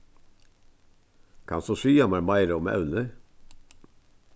kanst tú siga mær meira um evnið